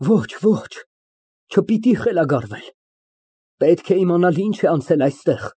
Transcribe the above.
Ոչ, ոչ չպիտի խելագարվել։ Պետք է իմանալ ինչ է անցել այստեղ։